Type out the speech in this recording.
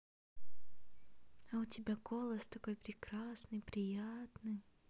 а у тебя голос такой прекрасный приятный